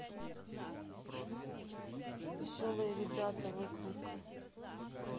веселые ребята выкройка